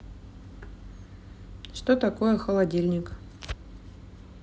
что такое холодильник